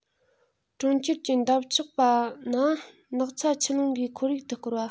གྲོང ཁྱེར གྱི འདབས ཆགས པ ན ནགས ཚལ ཆུ ཀླུང གིས ཁོར ཡུག ཏུ བསྐོར བ